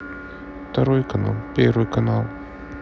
второй канал первый канал